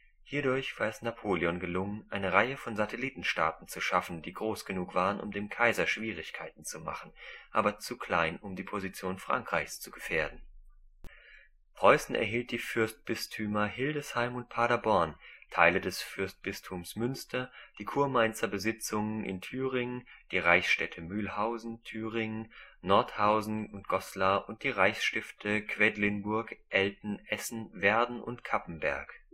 Hierdurch war es Napoleon gelungen, eine Reihe von Satellitenstaaten zu schaffen, die groß genug waren, um dem Kaiser Schwierigkeiten zu machen, aber zu klein, um die Position Frankreichs zu gefährden. Preußen erhielt die Fürstbistümer Hildesheim und Paderborn, Teile des Fürstbistums Münster, die Kurmainzer Besitzungen in Thüringen, die Reichsstädte Mühlhausen/Thüringen, Nordhausen und Goslar und die Reichsstifte Quedlinburg, Elten, Essen, Werden und Cappenberg